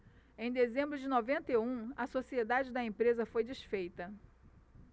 em dezembro de noventa e um a sociedade da empresa foi desfeita